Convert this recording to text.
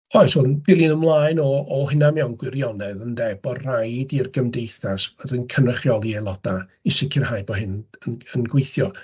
Oes, wel yn dilyn ymlaen o o hynna mewn gwirionedd ynde, bod raid i'r gymdeithas cynrychioli aelodau i sicrhau bod hyn yn gweithio.